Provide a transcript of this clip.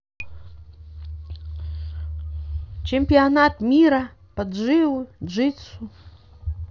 чемпионат мира по джиу джитсу